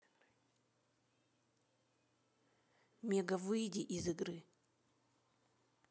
мега выйди из игры